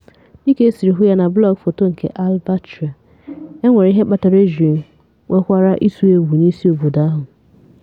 Dịka e siri hụ ya na blọọgụ foto nke avylavitra, e nwere ihe kpatara e jiri nwekwara ịtụ egwu n'isi obodo ahụ.